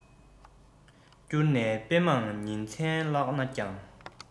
བསྐྱུར ནས དཔེ མང ཉིན མཚན བཀླགས ན ཡང